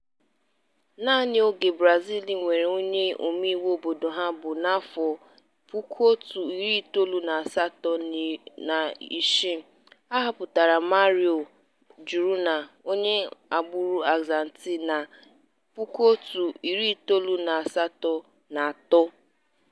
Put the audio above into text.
Naanị oge Brazil nwere onye omeiwu obodo ha bụ n'afọ 1986 — a họpụtara Mario Juruna, onye agbụrụ Xavante, na 1983.